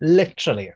Literally.